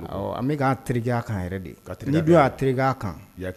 An bɛ'a terikɛ a kan de don y'a teri a kan